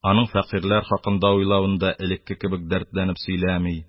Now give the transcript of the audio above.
Аның фәкыйрьләр хакында уйлавын да элекке кебек дәртләнеп сөйләми.